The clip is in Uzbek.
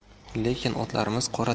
lekin otlarimiz qora